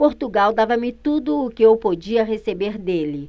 portugal dava-me tudo o que eu podia receber dele